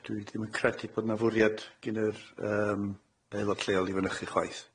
Dwi dim yn credu bod na fwriad gin yr yym aelod lleol i fynychu chwaith.